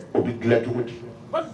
O bɛ dilan cogo di? baligi